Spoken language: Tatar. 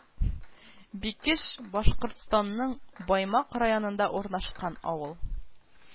Бикеш Башкортстанның Баймак районында урнашкан авыл